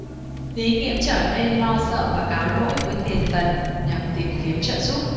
lý nghiễm trở nên lo sợ và cáo lỗi với tiền tần nhằm tìm kiếm trợ giúp